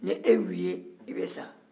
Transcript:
n'e y'u ye e bɛ sa